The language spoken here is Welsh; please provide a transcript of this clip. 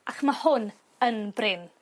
Ac ma' hwn yn brin.